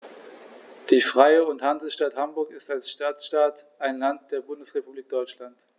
Die Freie und Hansestadt Hamburg ist als Stadtstaat ein Land der Bundesrepublik Deutschland.